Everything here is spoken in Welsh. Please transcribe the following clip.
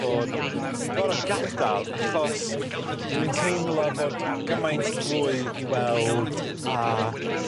bod ni'n gor'o' gadal achos dwi'n teimlo fod gymaint fwy i weld a